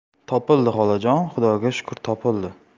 topildi xolajon xudoga shukr topildi